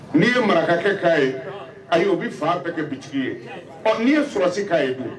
ye marakakɛ t'a ye ayi o bɛ fan bɛɛ kɛ boutique ye